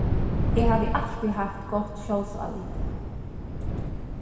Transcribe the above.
eg havi altíð havt gott sjálvsálit